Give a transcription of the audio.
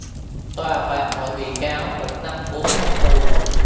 tòa phạt mỗi bị cáo một năm bốn tháng tù